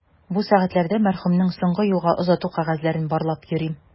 Бу сәгатьләрдә мәрхүмнең соңгы юлга озату кәгазьләрен барлап йөрим.